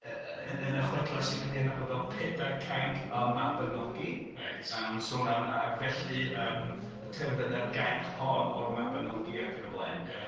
Y- y- yn y chwedlau sy'n cael eu hadnabod fel Pedair Cainc y Mabiniogi... Reit... Maen nhw'n sôn am; "ag felly, yym y terfyna'r gainc hon o'r Mabiniogi" ac yn y blaen... Ia.